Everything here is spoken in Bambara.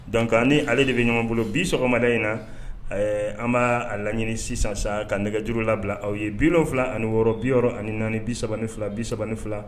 Dɔnkuc ni ale de bɛ ɲɔgɔn bolo bi sɔgɔmada in na an b' a laɲini sisan sa ka nɛgɛjuru labila aw ye bi fila ani wɔɔrɔ bi ani naani bi3 fila bi3 ni fila